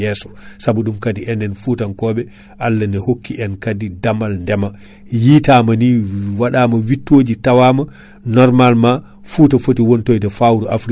eyyi donc non ko ko stoke keddinoɗo rawande o ko on tan waɗano reconduire eyyi mais finalement non o ronkki huftidinde ɗum tawa kaadi oɗon instant so wiyama kaadi yo waɗe commande uji